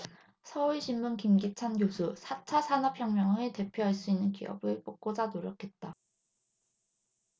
서울신문 김기찬 교수 사 차 산업혁명을 대표할 수 있는 기업을 뽑고자 노력했다